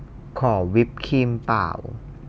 ขอวิปครีมเปล่า